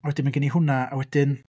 Wedyn mae gen i hwnna, a wedyn...